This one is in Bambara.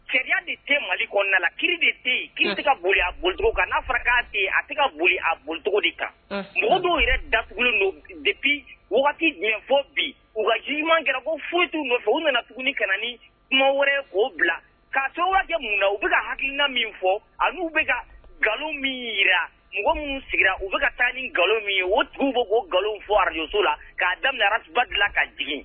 Cɛ de tɛ mali kɔnɔna ki de yen ki ka acogo kan n'a k'a a ka boli acogo de ta mɔgɔ dɔw yɛrɛ da de bi fɔ bi wagati ɲuman kɛra ko foyitu min fɛ u nana tuguni kana na ni kuma wɛrɛ o bila'a to mun na u bɛ hakilikiina min fɔ au bɛ nkalon min jira mɔgɔ minnu sigira u bɛka taa ni nkalonlo min ye o tun fɔ nkalon fɔ arajso la k'a daminɛ aratuba dilan ka jigin